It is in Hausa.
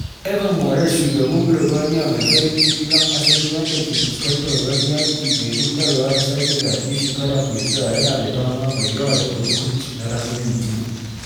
Evo Morales, shugaban Bolivia mai farin jini ɗan asali - wanda ke fuskantar wani yaƙi mai ruɗarwa na sake zaɓe shekara mai zuwa yana da dama mai yawa daga hukuncin na ranar Litinin.